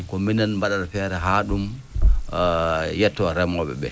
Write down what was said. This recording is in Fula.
ko minen mbaɗata feere haa ɗum yottoo remooɓe ɓee